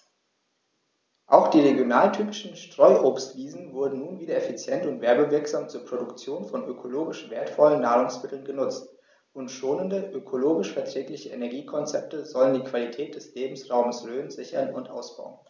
Auch die regionaltypischen Streuobstwiesen werden nun wieder effizient und werbewirksam zur Produktion von ökologisch wertvollen Nahrungsmitteln genutzt, und schonende, ökologisch verträgliche Energiekonzepte sollen die Qualität des Lebensraumes Rhön sichern und ausbauen.